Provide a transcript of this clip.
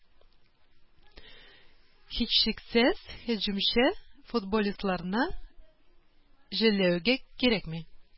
Һичшиксез һөҗүмче футболистларны жәллэүгә кирәкми.